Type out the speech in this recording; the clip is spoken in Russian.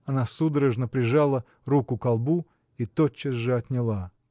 Она судорожно прижала руку ко лбу и тотчас же отняла.